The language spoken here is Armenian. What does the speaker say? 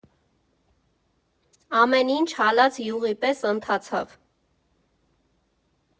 Ամեն ինչ հալած յուղի պես ընթացավ.